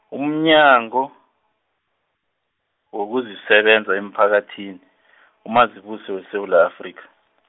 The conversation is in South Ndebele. umnyango, wokuzisebenza emphakathini, uMazibuse weSewula Afrika.